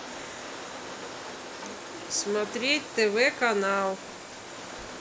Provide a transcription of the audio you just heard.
смотреть тв канал